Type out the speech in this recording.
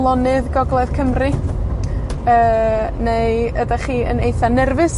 lonydd gogledd Cymru? Yy, neu ydych chi yn eithaf nerfus